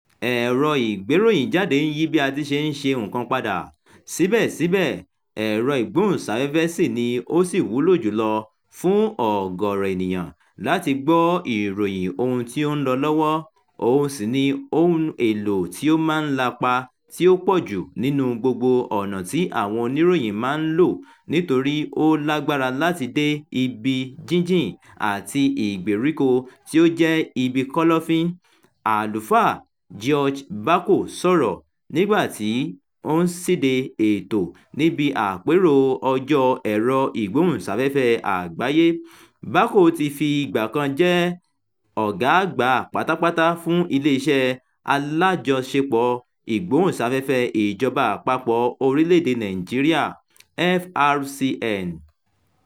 "Ẹ̀rọ ìgbéròyìnjáde ń yí bí a ti ṣe ń ṣe nǹkan padà, síbẹ̀síbẹ̀ ẹ̀rọ-ìgbóhùnsáfẹ́fẹ́ ṣì ni ó ṣì wúlò jù lọ fún ọ̀gọ̀rọ̀ ènìyàn láti gbọ́ ìròyìn ohun tí ó ń lọ lọ́wọ́, òhun ṣì ni ohun èlò tí ó máa ń lapa tí ó pọ̀ jù nínúu gbogbo ọ̀nà tí àwọn oníròyìn máa ń lò nítorí ó lágbára láti dé ibi jínjìn àti ìgbèríko tí ó jẹ́ ibi kọ́lọ́fín… " Àlùfáà George Bako sọ̀rọ̀, nígbà tí ó ń ṣíde ètò níbi Àpérò Ọjọ́ Ẹ̀rọ-ìgbóhùnsáfẹ́fẹ́ Àgbáyé. Bako ti fi ìgbà kan rí jẹ́ Ọ̀gá-Àgbà pátápátá fún Iléeṣẹ́ Alájọṣepọ̀ Ìgbóhùnsáfẹ́fẹ́ Ìjọba Àpapọ̀ Orílẹ̀-èdèe Nàìjíríà (FRCN).